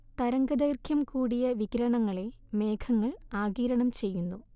തരംഗദൈർഘ്യം കൂടിയ വികിരണങ്ങളെ മേഘങ്ങൾ ആഗിരണം ചെയ്യുന്നു